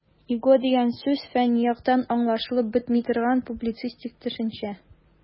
"иго" дигән сүз фәнни яктан аңлашылып бетми торган, публицистик төшенчә.